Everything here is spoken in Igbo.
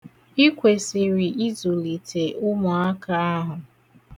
Ikwesiri ịzụlite ụmụaka ahụ.